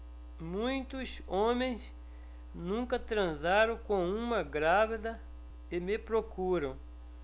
muitos homens nunca transaram com uma grávida e me procuram